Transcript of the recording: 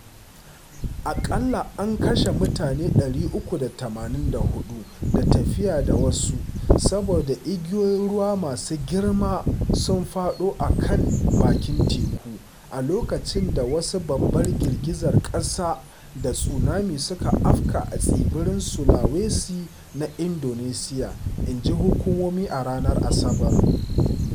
Aƙalla an kashe mutane 384, da tafiya da wasu saboda igiyoyin ruwa masu girma sun faɗo a kan bakin teku, a loƙacin da wata babbar girgizar ƙasa da tsunami suka afka a tsibirin Sulawesi na Indonesiya, injin hukumomi a ranar Asabar.